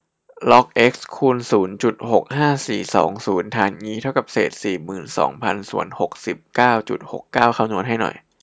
ล็อกเอ็กซ์คูณศูนย์จุดหกห้าสี่สองศูนย์ฐานอีเท่ากับเศษสี่หมื่นสองพันส่วนหกสิบเก้าจุดหกเก้าคำนวณให้หน่อย